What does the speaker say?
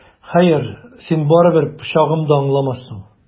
Хәер, син барыбер пычагым да аңламассың!